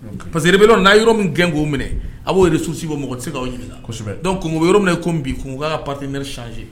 Pa parceseke de bɛ n' yɔrɔ min gɛn k'o minɛ a b'o susi bɔ mɔgɔ tɛ se' ɲini kosɛbɛ yɔrɔ min kun' ka pare sse